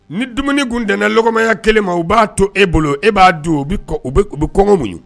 Ni dumuni kun dan na lɔgɔma ɲɛkelen ma u b'a to e bolo e b'a dun u bɛ kɔngɔ muɲun.